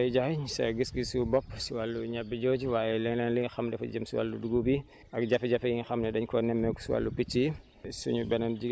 jërëjëf Ndeye Diagne sa gis-gisu bopp si wàllu ñebe jooju waaye leneen li nga xam dafa jëm si wàllu dugub yi ak jafe-jafe yi nga xam ne dañ koo nemmeeku si wàllu picc yi